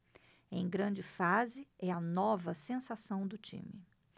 em grande fase é a nova sensação do time